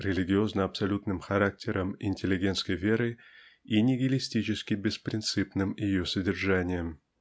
религиозно-абсолютным характером интеллигентской веры и нигилистически-беспринципным ее содержанием.